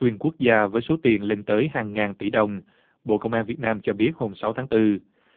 xuyên quốc gia với số tiền lên tới hàng ngàn tỷ đồng bộ công an việt nam cho biết mùng sáu tháng tư